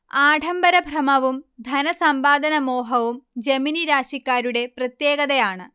ആഡംബര ഭ്രമവും ധനസമ്പാദന മോഹവും ജമിനി രാശിക്കാരുടെ പ്രത്യേകതയാണ്